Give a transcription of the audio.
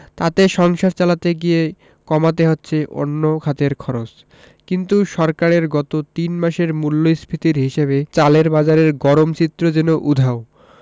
তাতে সংসার চালাতে গিয়ে কমাতে হচ্ছে অন্য খাতের খরচ কিন্তু সরকারের গত তিন মাসের মূল্যস্ফীতির হিসাবে চালের বাজারের গরম চিত্র যেন উধাও